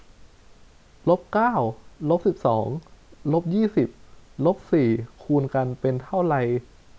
ลบเก้าลบสิบสองลบยี่สิบลบสี่คูณกันเป็นเท่าไร